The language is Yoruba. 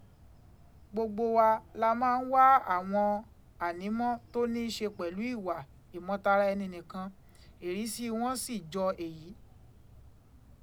Gbogbo wa la máa ń wá àwọn ànímọ́ tó ní í ṣe pẹ̀lú ìwà ìmọtara ẹni nìkan, ìrísí wọn sì jọ èyí.